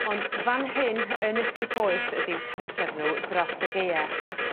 Ond fan hyn yn y tŷ poeth ydi'w cartref n'w dros y Gaea.